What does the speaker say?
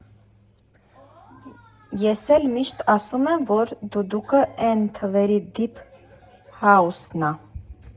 Ես էլ միշտ ասում եմ, որ դուդուկը էն թվերի դիփ հաուսն ա»։